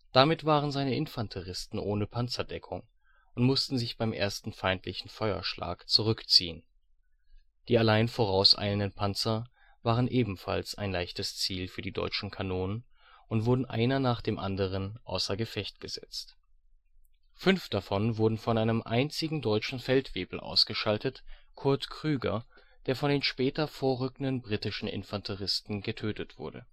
Damit waren seine Infanteristen ohne Panzerdeckung und mussten sich beim ersten feindlichen Feuerschlag zurückziehen. Die allein vorauseilenden Panzer waren ebenfalls ein leichtes Ziel für die deutschen Kanonen und wurden einer nach dem anderen außer Gefecht gesetzt. Fünf davon wurden von einem einzigen deutschen Feldwebel ausgeschaltet: Kurt Krüger, der von den später vorrückenden britischen Infanteristen getötet wurde